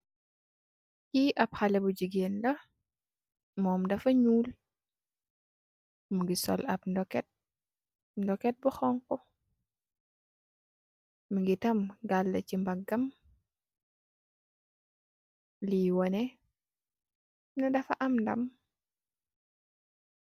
Ki ap xalex bu jigeen la momm dafa nuul mogi sol ap nduket nduket bu xonxu mogi tam dala si mbagam li woneh dafa am ndam.